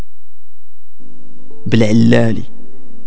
بالعلالي